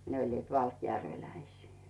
ne olivat valkjärveläisiä